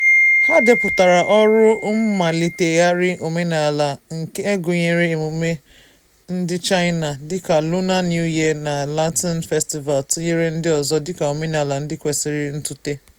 Ha depụtara ọrụ mmalitegharị omenala nke gụnyere emume ndị China dịka Lunar New Year na Lantern Festival, tinyere ndị ọzọ, dịka omenala ndị kwesịrị ntụte.